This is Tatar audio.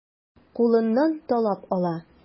Кулыннан талап ала.